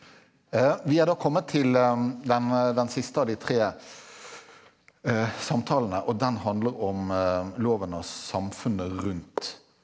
vi er da kommet til den den siste av de tre samtalene og den handler om loven og samfunnet rundt.